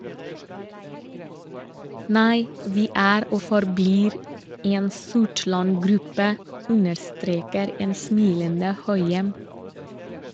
- Nei, vi er og forblir en Sortland-gruppe, understreker en smilende Høyem.